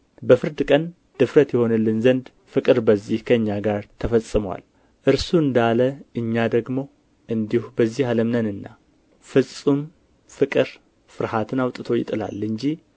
በፍርድ ቀን ድፍረት ይሆንልን ዘንድ ፍቅር በዚህ ከእኛ ጋር ተፈጽሞአል እርሱ እንዳለ እኛ ደግሞ እንዲሁ በዚህ ዓለም ነንና ፍጹም ፍቅር ፍርሃትን አውጥቶ ይጥላል እንጂ